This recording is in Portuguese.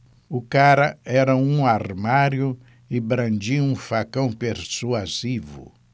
o cara era um armário e brandia um facão persuasivo